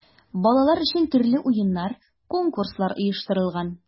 Балалар өчен төрле уеннар, конкурслар оештырылган.